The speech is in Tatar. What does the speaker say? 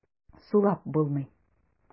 Сулап булмый.